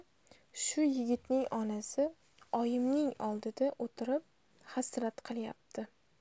shu yigitning onasi oyimning oldida o'tirib hasrat qilyapti